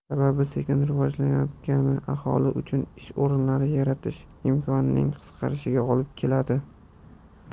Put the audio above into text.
sababi sekin rivojlanayotgani aholi uchun ish o'rinlarini yaratish imkonining qisqarishiga olib keladi